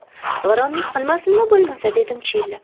g'irromlik qilmasin da bo'lmasa dedim chiyillab